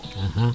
axa